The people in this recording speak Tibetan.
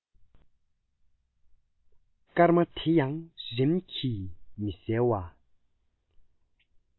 སྐར མ དེ ཡང རིམ གྱིས མི གསལ བ